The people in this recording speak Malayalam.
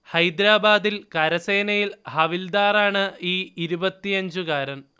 ഹൈദരബാദിൽ കരസനേയിൽ ഹവിൽദാർ ആണ് ഈ ഇരുപത്തിയഞ്ചുകാരൻ